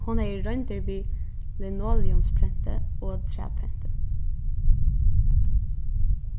hon hevði royndir við linoleumsprenti og træprenti